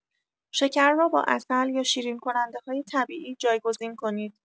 شکر را با عسل یا شیرین‌کننده‌های طبیعی جایگزین کنید.